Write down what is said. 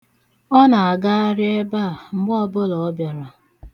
Ọ na-agagharị ebe a mgbe ọbụla ọ bịara.